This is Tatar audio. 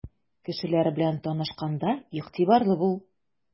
Кешеләр белән танышканда игътибарлы бул.